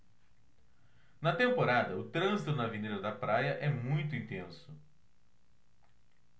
na temporada o trânsito na avenida da praia é muito intenso